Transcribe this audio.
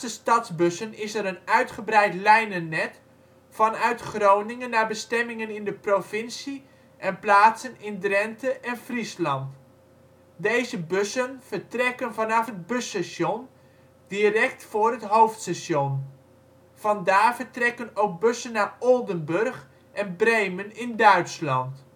stadsbussen is er een uitgebreid lijnennet vanuit Groningen naar bestemmingen in de provincie en plaatsen in Drenthe en Friesland. Deze bussen vertrekken vanaf het busstation, direct voor het hoofdstation. Vandaar vertrekken ook bussen naar Oldenburg en Bremen in Duitsland